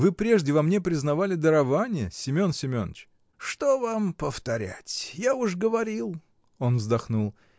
Вы прежде во мне признавали дарование, Семен Семеныч. — Что вам повторять? я уж говорил! — Он вздохнул.